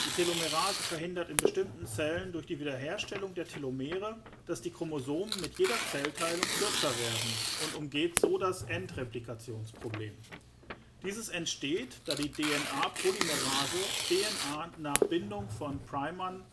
Telomerase verhindert in bestimmten Zellen durch die Wiederherstellung der Telomere, dass die Chromosomen mit jeder Zellteilung kürzer werden und umgeht so das End-Replikationsproblem. Dieses entsteht, da die DNA-Polymerase DNA nach Bindung von Primern